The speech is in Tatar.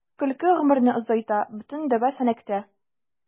Көлке гомерне озайта — бөтен дәва “Сәнәк”тә.